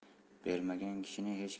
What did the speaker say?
bermagan kishini hech